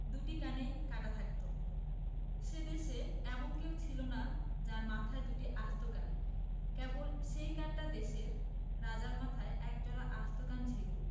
দুটি কানই কাটা থাকত সে দেশে এমন কেউ ছিল না যার মাথায় দুটি আস্ত কান কেবল সেই কানটা দেশের রাজার মাথায় একজোড়া আস্ত কান ছিল